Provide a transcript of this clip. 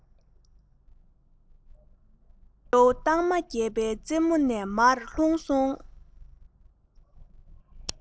རི བོ སྟག མ རྒྱས པའི རྩེ མོ ནས མར ལྷུང སོང